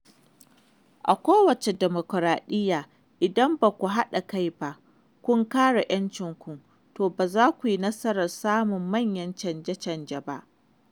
A kowace demokoraɗiyya, idan ba ku haɗa kai ba, kun kare 'yancinku, to ba za ku yi nasarar samun manyan canje-canje ba.